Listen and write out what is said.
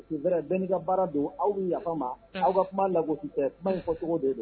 U bɛnka baara don aw bɛ yafa ma aw ka kuma lago kuma fɔ cogo de don